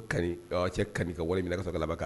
Cɛ kan ka wale minɛ ka bala kan